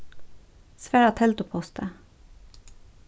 svara telduposti